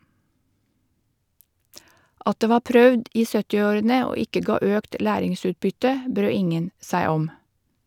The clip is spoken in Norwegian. At det var prøvd i 70-årene og ikke ga økt læringsutbytte, brød ingen seg om.